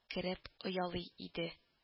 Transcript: Кереп оялый иде